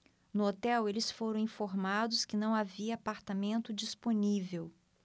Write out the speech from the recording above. no hotel eles foram informados que não havia apartamento disponível